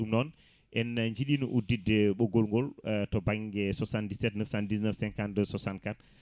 ɗum noon en jiiɗino udditde ɓoggol gol to banggue 77 919 52 64